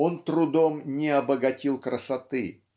он трудом не обогатил красоты